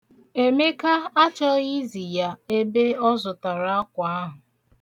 Emeka achọghị izi ya ebe ọ zụtara akwa ahụ.